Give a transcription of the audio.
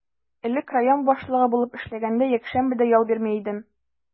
Элек район башлыгы булып эшләгәндә, якшәмбе дә ял бирми идем.